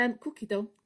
Yym cookie dough.